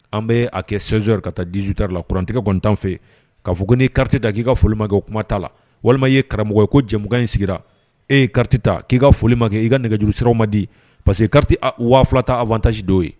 An bɛ a kɛ sori ka taa diztari la kurantigɛgɛɔntan fɛ ka fɔ n ni karata da k'i ka foli makɛ o kuma t'a la walima ye karamɔgɔ ye ko jɛugankan in sigira e ye karata ta k'i ka foli makɛ i ka nɛgɛjuru sira ma di parce que karata waafta atasi dɔw ye